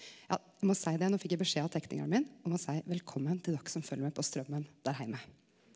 ja må seie det no fekk eg beskjed av teknikaren min om å seie velkommen til dokker som følger med på straumen der heime.